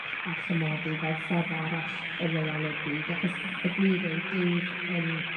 a chymodi fel ffordd arall o reoli'r byd, achos y gwir yw dyw'r yym